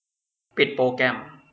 ปิดโปรแกรม